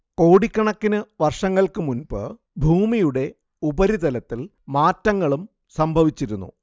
കോടിക്കണക്കിനു വർഷങ്ങൾക്കു മുൻപ് ഭൂമിയുടെ ഉപരിതലത്തിൽ മാറ്റങ്ങളും സംഭവിച്ചിരുന്നു